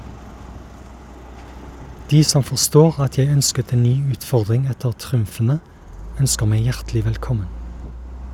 De som forstår at jeg ønsket en ny utfordring etter triumfene, ønsker meg hjertelig velkommen.